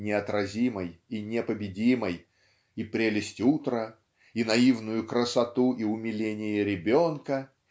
неотразимой и непобедимой и прелесть утра и наивную красоту и умиление ребенка